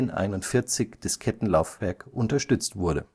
1541-Diskettenlaufwerk unterstützt wurde